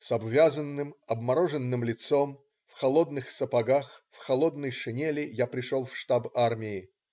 С обвязанным, обмороженным лицом, в холодных сапогах, в холодной шинели я пришел в штаб армии.